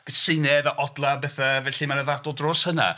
Cyseinedd a odlau a bethe, felly ma' 'na ddadl dros hynna.